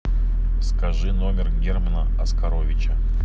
скажи номер германа оскоровича